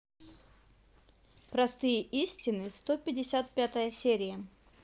простые истины сто пятьдесят пятая серия